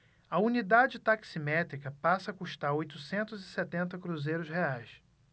a unidade taximétrica passa a custar oitocentos e setenta cruzeiros reais